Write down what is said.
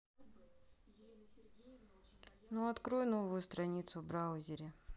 ну открой новую страницу в браузере